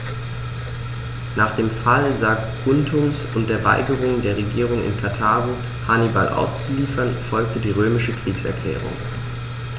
Nach dem Fall Saguntums und der Weigerung der Regierung in Karthago, Hannibal auszuliefern, folgte die römische Kriegserklärung.